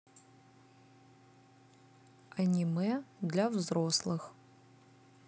аниме для взрослых